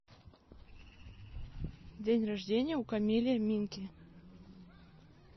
день рождения у камелия минки